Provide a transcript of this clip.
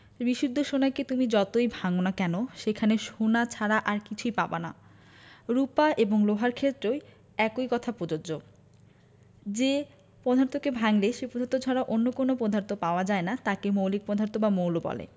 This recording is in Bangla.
বিশুদ্ধ সোনাকে তুমি যতই ভাঙ না কেন সেখানে সোনা ছাড়া আর কিছু পাবা না রুপা এবং লোহার ক্ষেত্রেও একই কথা প্রযোজ্য যে পদার্থকে ভাঙলে সেই পদার্থ ছাড়া অন্য কোনো পদার্থ পাওয়া যায় না তাকে মৌলিক পদার্থ বা মৌল বলে